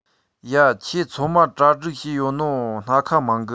ཡ ཁྱོས ཚོད མ གྲ སྒྲིག ཡས ཡོད ནོ སྣ ཁ མང གི